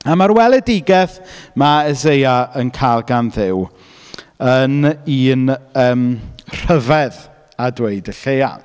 A ma’r weledigaeth ma' Eseia yn cael gan Dduw yn un yym rhyfedd, a dweud y lleia.